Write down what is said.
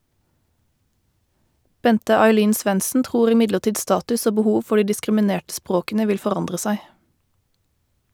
Bente Ailin Svendsen tror imidlertid status og behov for de diskriminerte språkene vil forandre seg.